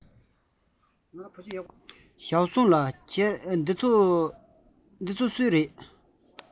ཞའོ སུང ལགས འདི ཚོ སུའི རེད